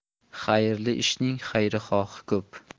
xayrli ishning xayrixohi ko'p